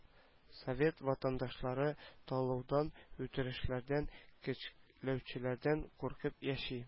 Совет ватандашлары талаудан үтерешләрдән көчләүчеләрдән куркып яши